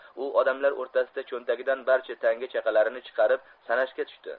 u odamlar o'rtasida cho'ntagidan barcha tanga chaqalarini chiqarib sanashga tushdi